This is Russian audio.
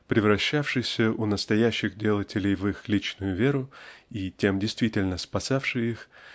превращавшийся у настоящих делателей в их личную веру и тем действительно спасавший их